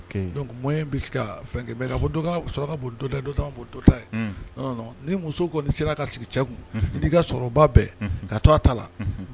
Mɔ bɛ fɛn ni muso ko sera ka sigi cɛ'i ka sɔrɔba bɛɛ ka to t ta la